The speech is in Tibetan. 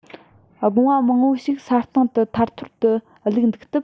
སྒོ ང མང པོ ཞིག ས སྟེང དུ ཐར ཐོར དུ བླུགས འདུག སྟབས